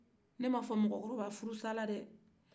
ne ma a fɔ ko mɔgɔkɔrɔba furu sala dɛ